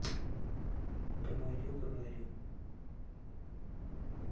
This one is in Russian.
говорю говорю